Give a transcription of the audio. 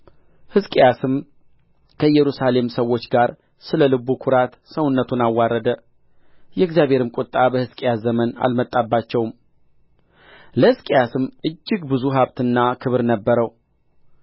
ሕዝቅያስም ከኢየሩሳሌም ሰዎች ጋር ስለ ልቡ ኵራት ሰውነቱን አዋረደ የእግዚአብሔርም ቍጣ በሕዝቅያስ ዘመን አልመጣባቸውም ለሕዝቅያስም እጅግ ብዙ ሀብትና ክብር ነበረው